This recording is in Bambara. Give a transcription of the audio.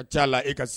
A taa' la ka